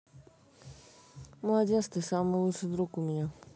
молодец ты самый лучший друг у меня